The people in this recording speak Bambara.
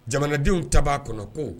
Jamanadenw ta b'a kɔnɔ